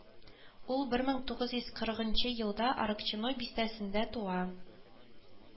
Ул бер мең тугыз йөз кырыгынчы елда Аракчино бистәсендә туа